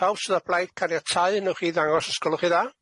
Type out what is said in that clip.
Pawb sydd o blaid caniatáu newch chi ddangos os gwelwch chi dda.